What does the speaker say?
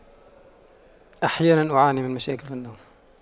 أحيانا أعاني من مشاكل في النوم